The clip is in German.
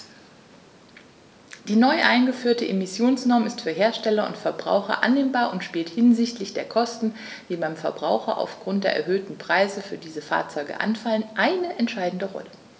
Die neu eingeführte Emissionsnorm ist für Hersteller und Verbraucher annehmbar und spielt hinsichtlich der Kosten, die beim Verbraucher aufgrund der erhöhten Preise für diese Fahrzeuge anfallen, eine entscheidende Rolle.